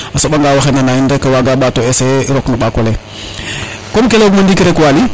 a soɓa nga waxey nana in rek waga ɓato essayer rok no ɓakole comme ke leyu guma ndiki rek Waly